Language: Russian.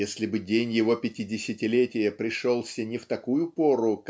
если бы день его пятидесятилетия пришелся не в такую пору